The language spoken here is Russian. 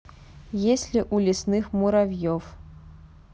есть ли у лесных муравьев